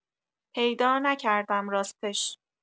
پیدا نکردم راستش